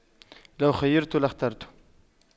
لو خُيِّرْتُ لاخترت